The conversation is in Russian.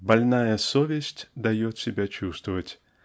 "Больная совесть" дает себя чувствовать